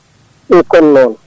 *